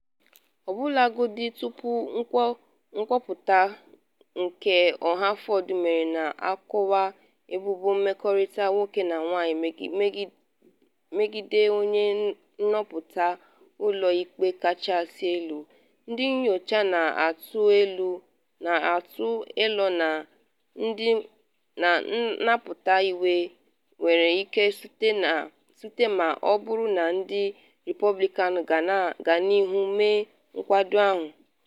Ọbụlagodi tupu nkwuputanke ọha Ford mere na-akọwa ebubo mmekọrịta nwoke na nwanyị megide onye nhọpụta Ụlọ Ikpe kachasị Elu, ndị nyocha na-atụ elo na ndapụta iwe nwere ike sote ma ọ bụrụ na ndị Repọblikan gaa n’ihu mee nkwado ahụ.